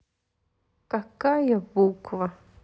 какая буква